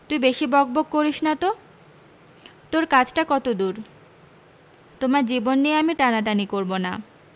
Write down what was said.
তুই বেশী বকবক করিসনা তো তোর কাজটা কত দূর তোমার জীবন নিয়ে আমি টানাটানি করবো না